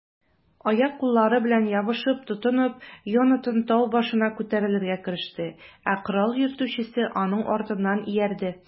Аяк-куллары белән ябышып-тотынып, Йонатан тау башына күтәрелергә кереште, ә корал йөртүчесе аның артыннан иярде.